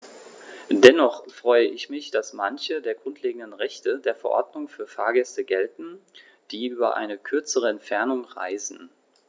Dennoch freue ich mich, dass manche der grundlegenden Rechte der Verordnung für Fahrgäste gelten, die über eine kürzere Entfernung reisen.